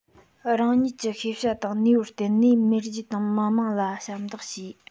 རང ཉིད ཀྱི ཤེས བྱ དང ནུས པར བརྟེན ནས མེས རྒྱལ དང མི དམངས ལ ཞབས འདེགས ཞུས